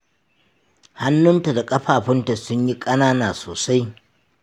hannunta da ƙafafunta sun yi ƙanana sosai.